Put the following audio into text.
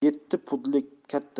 yetti pudlik katta